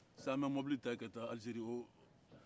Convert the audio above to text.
ssan an bɛ mɔbili ta yen ka taa alizeri o